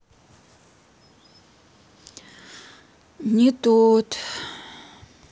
не тот